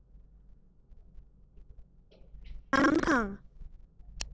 མྱོང བྱང དང